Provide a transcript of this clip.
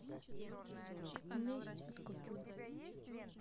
месть от кутюр